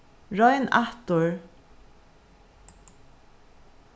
royn aftur